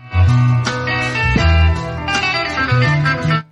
San